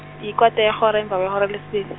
yikota yehora emva kwehora lesine.